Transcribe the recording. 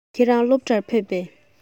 ཁྱེད རང སློབ གྲྭར ཕེབས པས